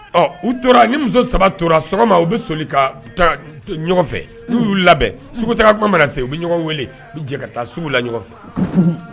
Ɔ u tora nin muso saba tora sɔgɔma u bɛ soli ka taa ɲɔgɔn fɛ n'u y'u labɛn sugutaga tuma mana se u bɛ ɲɔgɔn wele u bɛ jɛ ka taa sugu la ɲɔgɔn fɛ